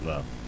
waaw